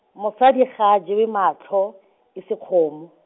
mosadi ga a jewe matlho, e se kgomo.